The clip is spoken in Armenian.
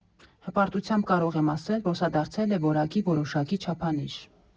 Հպարտությամբ կարող եմ ասել, որ սա դարձել է որակի որոշակի չափանիշ։